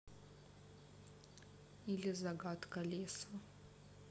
или загадка леса